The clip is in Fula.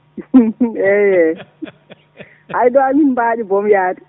eyyi eyyi hayɗo hamin mbaawi boom yahde